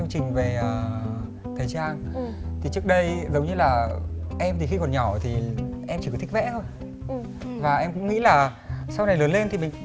trình về thời trang thì trước đây giống như là em thì khi còn nhỏ thì em chỉ có thích vẽ thôi và em cũng nghĩ là sau này lớn lên thì mình